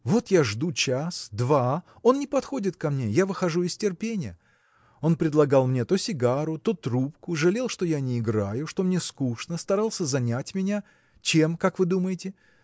Вот я жду час, два, он не подходит ко мне; я выхожу из терпения. Он предлагал мне то сигару то трубку жалел что я не играю что мне скучно старался занять меня – чем как вы думаете?